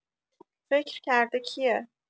فکر کرده کیه؟